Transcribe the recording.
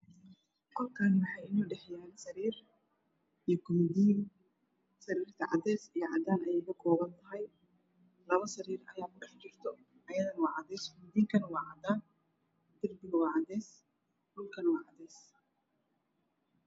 Qolkaani waxa inoo dhexyaalo sariir iyo koobadiin sariirta cadays iyo cadaan ayey ka koobantahay labo sariir ayaa ku dhex jirto ayadana waa cadays koobadiinkana waa cadaan darbiga waa cadays dhulkana waa cadays